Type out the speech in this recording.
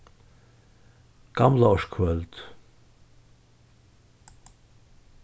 gamlaárskvøld